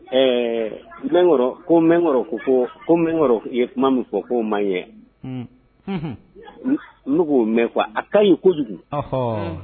Ɛɛ mɛnkɔrɔ ko mɛn kɔrɔ ko ko ko mɛnkɔrɔ ye kuma min fɔ koo man ye n''o mɛn kuwa a ka ɲi kojugu